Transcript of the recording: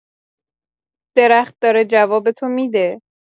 درخت داره جوابتو می‌ده.